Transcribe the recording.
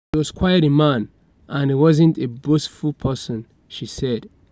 "He was quite a quiet man, and he wasn't a boastful person," she said.